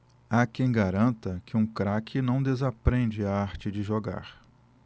há quem garanta que um craque não desaprende a arte de jogar